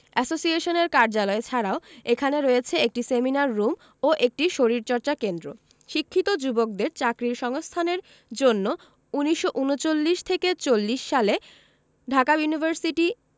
এসোসিয়েশনের কার্যালয় ছাড়াও এখানে রয়েছে একটি সেমিনার রুম ও একটি শরীরচর্চা কেন্দ্র শিক্ষিত যুবকদের চাকরির সংস্থানের জন্য ১৯৩৯ থেকে ৪০ সালে ঢাকা ইউনিভার্সিটি